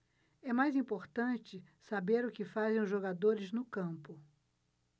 é mais importante saber o que fazem os jogadores no campo